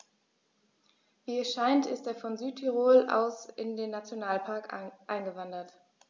Wie es scheint, ist er von Südtirol aus in den Nationalpark eingewandert.